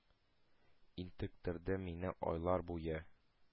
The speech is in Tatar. Интектерде мине айлар буе